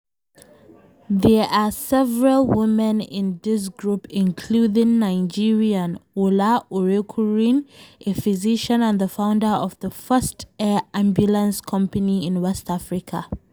There are several women in this group, including Nigerian Ola Orekunrin, a physician and the founder of the first air ambulance company in West Africa.